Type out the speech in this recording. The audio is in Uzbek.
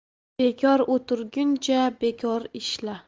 bekor o'tirguncha bekor ishla